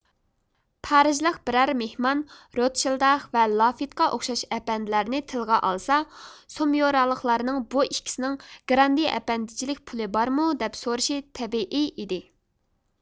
پارىژلىق بىرەر مېھمان روتشىلداخ ۋە لافېتقا ئوخشاش ئەپەندىلەرنى تىلغا ئالسا سوميۇرالىقلارنىڭ بۇ ئىككىسىنىڭ گراندې ئەپەندىچىلىك پۇلى بارمۇ دەپ سورىشى تەبىئىي ئىدى